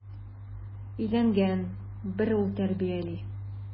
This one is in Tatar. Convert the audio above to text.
Өйләнгән, бер ул тәрбияли.